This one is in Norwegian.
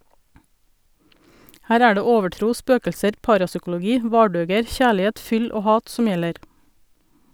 Her er det overtro, spøkelser, parapsykologi, vardøger, kjærlighet, fyll og hat som gjelder.